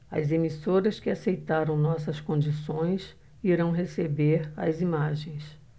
as emissoras que aceitaram nossas condições irão receber as imagens